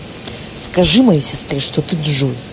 скажи моей сестре что ты джой